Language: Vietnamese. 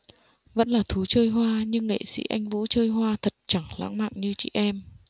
vẫn là thú chơi hoa nhưng nghệ sĩ anh vũ chơi hoa thật chẳng lãng mạn như chị em